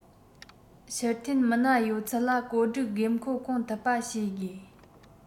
ཕྱིར འཐེན མི སྣ ཡོད ཚད ལ བཀོད སྒྲིག དགོས མཁོ སྐོང ཐུབ པ བྱེད དགོས